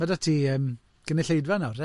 Ma' 'da ti yym, gynulleidfa nawr de? H-mm.